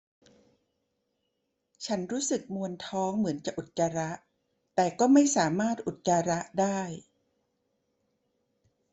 ฉันรู้สึกมวนท้องเหมือนจะอุจจาระแต่ก็ไม่สามารถอุจจาระได้